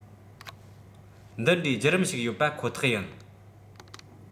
འདི འདྲའི བརྒྱུད རིམ ཞིག ཡོད པ ཁོ ཐག ཡིན